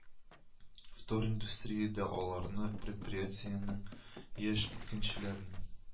Вториндустрия дә аларны предприятиенең яшь итәкчеләренең